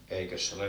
eikös se ole